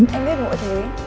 thế